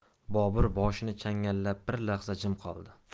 bobur boshini changallab bir lahza jim qoldi